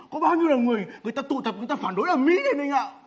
có bao nhiêu là người họ đang phản đối ầm ĩ lên anh ạ